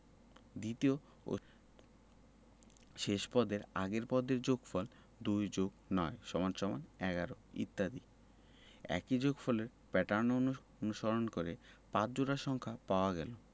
দ্বিতীয় ও শেষ পদের আগের পদের যোগফল ২+৯=১১ ইত্যাদি একই যোগফলের প্যাটার্ন অনুসরণ করে ৫ জোড়া সংখ্যা পাওয়া গেল